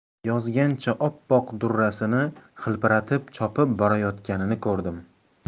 yozgancha oppoq durrasini hilpiratib chopib borayotganini ko'rdim